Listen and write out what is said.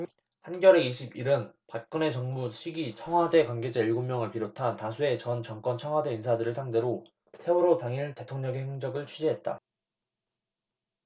한겨레 이십 일 은 박근혜 정부 시기 청와대 관계자 일곱 명을 비롯한 다수의 전 정권 청와대 인사들을 상대로 세월호 당일 대통령의 행적을 취재했다